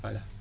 voilà